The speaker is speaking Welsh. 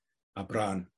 a brân.